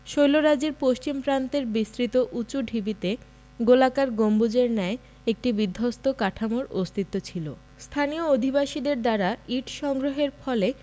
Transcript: শৈলরাজির পশ্চিম প্রান্তের বিস্তৃত উঁচু ঢিবিতে গোলাকার গম্বুজের ন্যায় একটি বিধ্বস্ত কাঠামোর অস্তিত্ব ছিল স্থানীয় অধিবাসীদের দ্বারা ইট সংগ্রহের ফলে